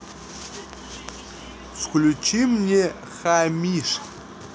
включи мне хамишь